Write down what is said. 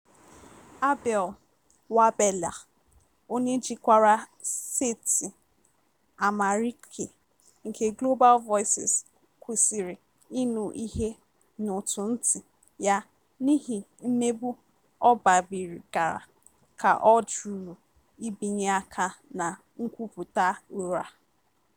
Abel Wabella, onye jikwara saịtị Amhariiki nke Global Voices, kwụsịrị ịnụ ihe n'ótù ntị ya n'ihi mmegbu ọ gabigara ka ọ jụrụ ibinye aka na nkwupụta ụgha.